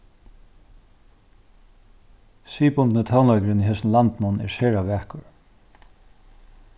siðbundni tónleikurin í hesum landinum er sera vakur